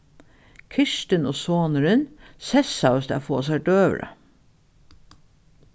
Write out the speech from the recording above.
kirstin og sonurin sessaðust at fáa sær døgurða